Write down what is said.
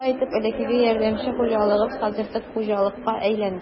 Шулай итеп, элеккеге ярдәмче хуҗалыгыбыз хәзер төп хуҗалыкка әйләнде.